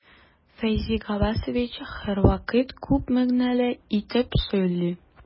Фәйзи Габбасович һәрвакыт күп мәгънәле итеп сөйли.